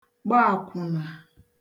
gba àkwụ̀nà